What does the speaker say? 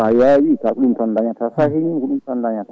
sa yaawi ko ɗum tan daañata sa yeeñima ko ɗum tan dañata